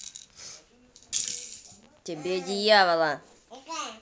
тебе дьявола